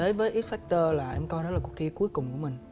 tới với ích phách tơ là em coi nó là cuộc thi cuối cùng của mình